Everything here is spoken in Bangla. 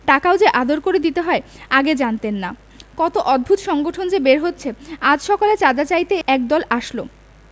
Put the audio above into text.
টাকাও যে আদর করে দিতে হয় আগে জানতেন না কত অদ্ভুত সংগঠন যে বের হচ্ছে আজ সকালে চাঁদা চাইতে একদল আসলো